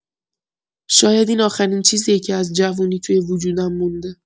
شاید این آخرین چیزیه که از جوونی توی وجودم مونده.